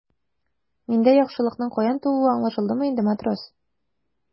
Миндә яхшылыкның каян тууы аңлашылдымы инде, матрос?